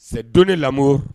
Sedonni lamɔ